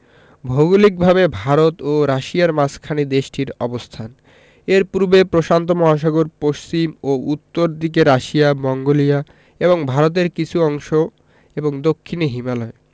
ভৌগলিকভাবে ভারত ও রাশিয়ার মাঝখানে দেশটির অবস্থান এর পূর্বে প্রশান্ত মহাসাগর পশ্চিম ও উত্তর দিকে রাশিয়া মঙ্গোলিয়া এবং ভারতের কিছু অংশ এবং দক্ষিনে হিমালয়